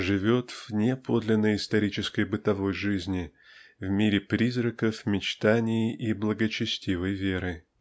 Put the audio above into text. живет вне подлинной исторической бытовой жизни в мире призраков мечтаний и благочестивой веры.